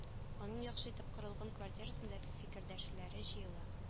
Аның яхшы итеп корылган квартирасында фикердәшләре җыела